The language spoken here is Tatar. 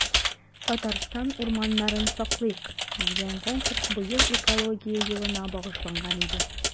“татарстан урманнарын саклыйк!” дигән конкурс быел экология елына багышланган иде.